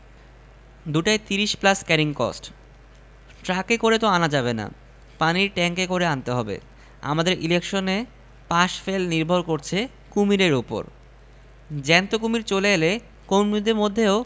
আমি নিজেই যাব না পাওয়া গেলে সুন্দরবনের খাল থেকে কুমীর ধরা হবে টাকা খরচ হবে উপায় কি কত লাগবে কুমীর প্রতি পনেরো হাজার ধরুন